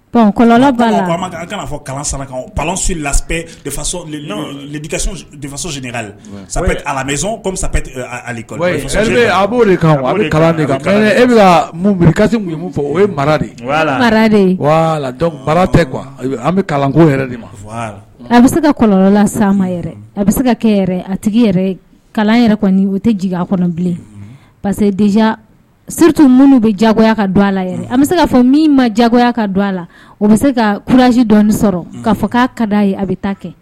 Kɔlɔnla fɔ sabu alami ali a b'o de e bɛ mubilika fɔ o de an bɛ kalanko de ma a bɛ se ka kɔlɔnlɔla sa ma a bɛ se ka kɛ a tigi yɛrɛ kalan yɛrɛ o tɛ jigin a kɔnɔ bilen pa quedz seritu minnu bɛ jagoya ka don a la a bɛ se ka fɔ min ma jagoya ka don a la o bɛ se ka kujisi dɔɔni sɔrɔ ka fɔ k' ka' a ye a bɛ taa kɛ